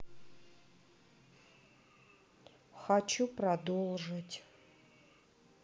хочу продолжить